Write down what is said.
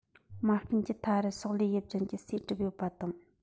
མ རྐན གྱི མཐའ རུ སོག ལེའི དབྱིབས ཅན གྱི སོས གྲུབ ཡོད པ དང